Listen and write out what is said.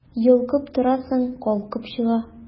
Йолкып торасың, калкып чыга...